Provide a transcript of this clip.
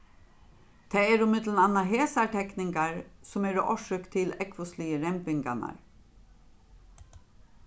tað eru millum annað hesar tekningar sum eru orsøk til ógvusligu rembingarnar